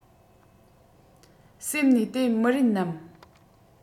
སེམས ནས དེ མི རེད ནམ